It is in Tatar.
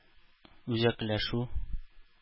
Үзәкләшү